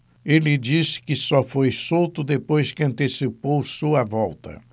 ele disse que só foi solto depois que antecipou sua volta